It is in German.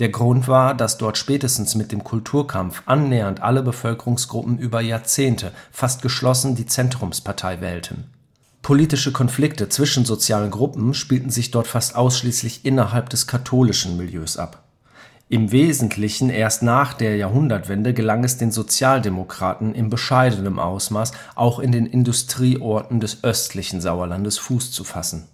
Grund war, dass dort spätestens mit dem Kulturkampf annähernd alle Bevölkerungsgruppen über Jahrzehnte fast geschlossen die Zentrumspartei wählten. Politische Konflikte zwischen sozialen Gruppen spielten sich dort fast ausschließlich innerhalb des katholischen Milieus ab. Im Wesentlichen erst nach der Jahrhundertwende gelang es den Sozialdemokraten in bescheidenem Ausmaß, auch in den Industrieorten des östlichen Sauerlandes Fuß zu fassen